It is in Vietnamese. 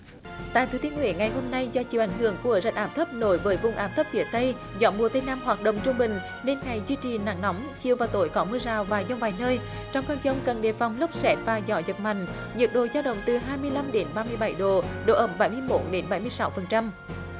tại thừa thiên huế ngày hôm nay do chịu ảnh hưởng của rãnh áp thấp nối với vùng áp thấp phía tây gió mùa tây nam hoạt động trung bình nên ngày duy trì nắng nóng chiều và tối có mưa rào và dông vài nơi trong cơn dông cần đề phòng lốc sét và gió giật mạnh nhiệt độ cho đầu tư hai mươi lăm đến ba mươi bảy độ độ ẩm bảy mươi mốt đến bảy mươi sáu phần trăm